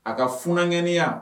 A ka fgɛnya